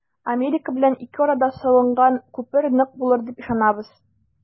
Америка белән ике арада салынган күпер нык булыр дип ышанабыз.